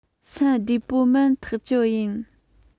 སེམས བདེ པོ མིན ཐག ཆོད ཡིན